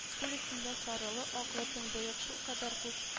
Күл өстендә сарылы-аклы төнбоек шулкадәр күп